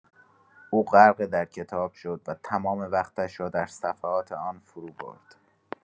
او غرق در کتاب شد و تمام وقتش را در صفحات آن فروبرد.